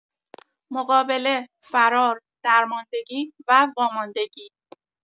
مقابله، فرار، درماندگی، و واماندگی